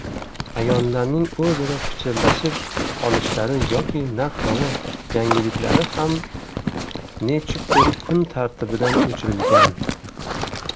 ayollarning o'zaro pichirlashib olishlari yoki narx navo yangiliklari ham nechukdir kun tartibidan o'chirilgan